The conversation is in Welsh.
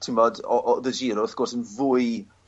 t'mbod o- o'dd y Giro wrth gwrs yn fwy